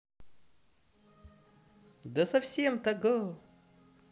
да совсем того